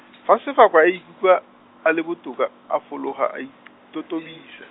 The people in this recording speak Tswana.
fa Sefako a ikutlwa, a le botoka, a fologa a itotobisa.